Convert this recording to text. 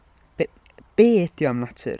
B- be ydy o am natur?